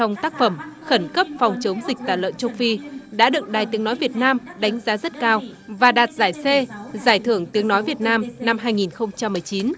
trong tác phẩm khẩn cấp phòng chống dịch tả lợn châu phi đã được đài tiếng nói việt nam đánh giá rất cao và đạt giải xê giải thưởng tiếng nói việt nam năm hai nghìn không trăm mười chín